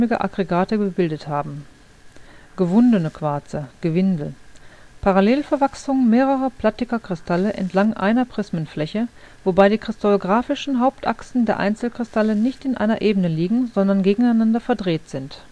Aggregate gebildet haben. gewundene Quarze (Gwindel): Parallelverwachsung mehrerer plattiger Kristalle entlang einer Prismenfläche, wobei die kristallographischen Hauptachsen der Einzelkristalle nicht in einer Ebene liegen sondern gegeneinander verdreht sind